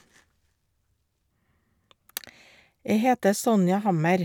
Jeg heter Sonja Hammer.